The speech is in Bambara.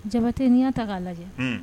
Jamaba tɛ n'i yyaa ta k'a lajɛ